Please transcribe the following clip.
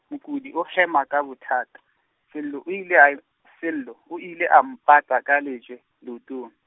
mokudi o hema ka bothata, Sello o ile a i- , Sello o ile a mpata ka lejwe, leotong.